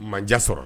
Manja sɔrɔ la